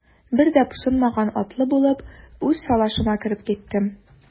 Бер дә пошынмаган атлы булып, үз шалашыма кереп киттем.